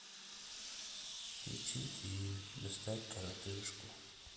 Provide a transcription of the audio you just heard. включи фильм достать коротышку